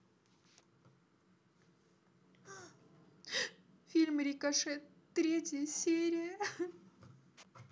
фильм рикошет третья серия